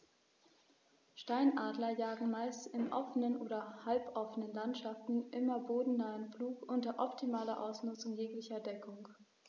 Steinadler jagen meist in offenen oder halboffenen Landschaften im bodennahen Flug unter optimaler Ausnutzung jeglicher Deckung.